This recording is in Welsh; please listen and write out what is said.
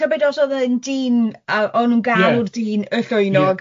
Tybed os o'dd e'n dyn a o'n nhw'n galw'r... yeah... dyn y llwynog?... Yeah.